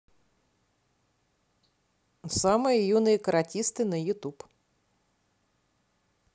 самые юные каратисты на ютуб